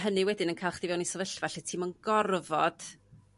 hynny wedyn yn ca'l chdi fewn i sefyllfa lle ti'm yn gorfod